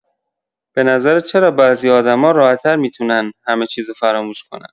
به نظرت چرا بعضی آدما راحت‌تر می‌تونن همه‌چیزو فراموش کنن؟